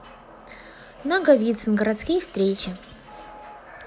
наговицын городские встречи